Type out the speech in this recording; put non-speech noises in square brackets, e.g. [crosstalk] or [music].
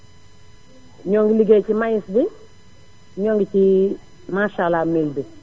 ñoo ngi ligéey ci maïs bi ñoo ngi ci [hesitation] maasàllaa mil bi